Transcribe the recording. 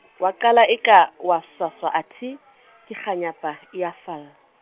wa qala eka, o a swaswa athe , ke kganyapa e a falla.